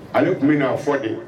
Ale tun bɛn'a fɔ de